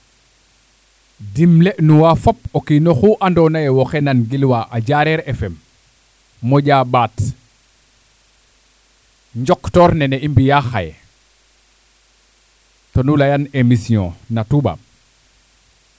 dimle nuwa fop o kiino xu ando naye waxey nan gilwa Diarere FM moƴa ɓaat njok toor nene i mbiya xaye tonu leyan émission na toubab